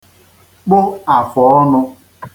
kpụ àfụ̀ọnụ̄